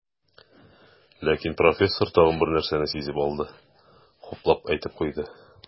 Ләкин профессор тагын бер нәрсәне сизеп алды, хуплап әйтеп куйды.